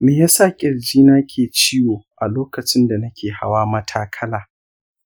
me ya sa kirjina ke ciwo a lokacin da nake hawa matakala?